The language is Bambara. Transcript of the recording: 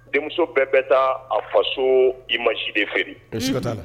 Denmuso bɛɛ bɛ taa a faso i ma si de feere